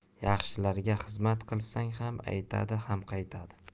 yaxshilarga xizmat qilsang ham aytadi ham qaytadi